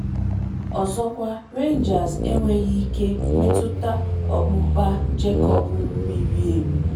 Ọzọkwa Rangers enweghị ike metụta ọkpụkpa Jacob miri emi.